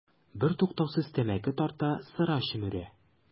Бертуктаусыз тәмәке тарта, сыра чөмерә.